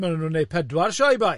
Maen nhw'n wneud pedwar sioe, boi!